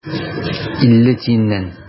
Илле тиеннән.